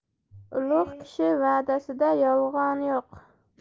ulug' kishi va'dasida yolg'on yo'q